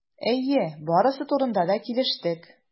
Әйе, барысы турында да килештек.